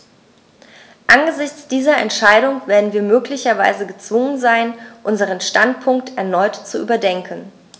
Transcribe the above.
Angesichts dieser Entscheidung werden wir möglicherweise gezwungen sein, unseren Standpunkt erneut zu überdenken.